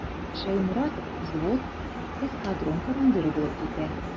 Шәйморатов взвод, эскадрон командиры булып китә.